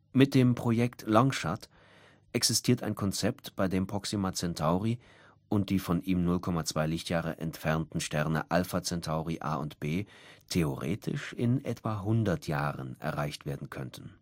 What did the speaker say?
Mit dem Projekt Longshot existiert ein Konzept, bei dem Proxima Centauri und die von ihm 0,2 Lichtjahre entfernten Sterne Alpha Centauri A und B theoretisch in etwa 100 Jahren erreicht werden könnten